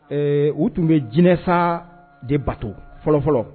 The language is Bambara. Ee u tun bɛ jinɛ sa de bato fɔlɔfɔlɔ